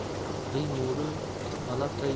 g'iy mo'ri malaxday